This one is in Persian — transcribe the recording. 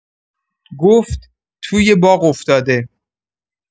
گفت: «توی باغ افتاده.»